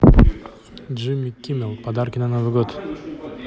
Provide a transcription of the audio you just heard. jimmy kimmel подарки на новый год